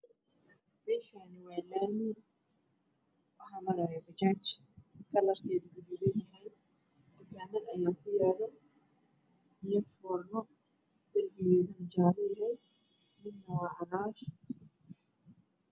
Meeshaan waa laami Waxaa maraaya bajaj kalarkeeda gaduudan yahay dukaaman ayaa ku yaalo iyo goorno darbigeeduna jaalle yahay midana waa cagaar